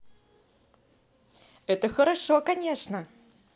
это хорошо конечно